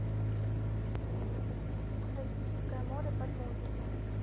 тропическое море под музыку